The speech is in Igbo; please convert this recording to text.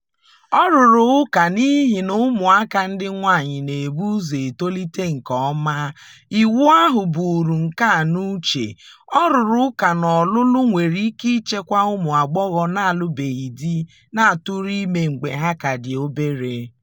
Ọ rụrụ ụka na n'ihi na ụmụaka ndị nwaanyị na-ebu ụzọ etolite nke ọma, iwu ahụ buuru nke ahụ n'uche. Ọ rụrụ ụka na ọlụlụ nwere ike ichekwa ụmụ agbọghọ na-alụbeghị di na-atụrụ ime mgbe ha ka dị obere.